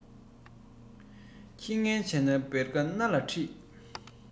ཁྱི ངན བྱང ན བེར ཀ སྣ ལ བཀྲི